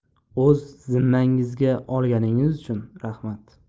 o'z zimmangizga olganingiz uchun rahmat